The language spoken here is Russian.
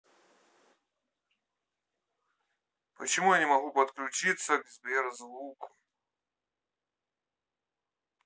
почему я не могу подключиться к сбер звуку